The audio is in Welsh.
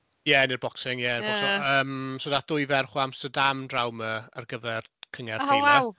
Ie neu'r boxing ie... ie yy. ...yym, so wnaeth dwy ferch o Amsterdam draw 'ma ar gyfer cyngherdd Taylor... O waw!